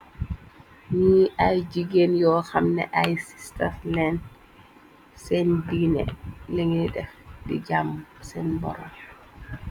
Nñi ay jigéen yoo xamna ay sistas len, seen diine lanyiy def di jam seen borom.